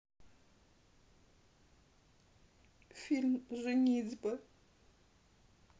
фильм женитьба